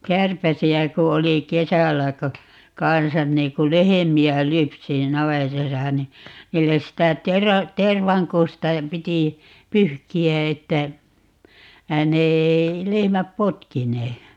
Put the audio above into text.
kärpäsiä kun oli kesällä kun kanssa niin kun lehmiä lypsi niin navetassa niin niille sitä - tervankusta piti pyyhkiä että ne ei lehmät potkineet